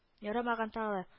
— ярамаган тагы